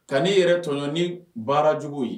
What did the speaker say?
Ka ni yɛrɛ tɔɲɔ ni baara jugu ye.